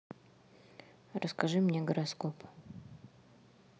расскажи мне гороскоп